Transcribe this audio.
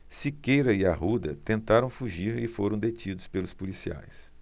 siqueira e arruda tentaram fugir e foram detidos pelos policiais